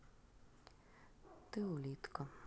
ты улитка